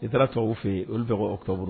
N'i taara tubabuw fɛ yen